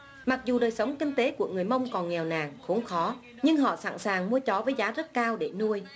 mặc dù đời sống kinh tế của người mông còn nghèo nàn khốn khó nhưng họ sẵn sàng mua chó với giá rất cao để nuôi